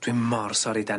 Dwi mor sori Dani.